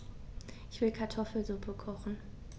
Ich will Kartoffelsuppe kochen.